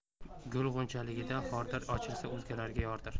gul g'unchaligida xordir ochilsa o'zgalarga yordir